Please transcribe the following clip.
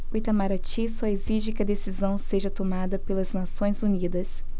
o itamaraty só exige que a decisão seja tomada pelas nações unidas